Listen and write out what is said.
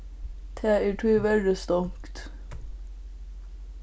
tað er tíverri stongt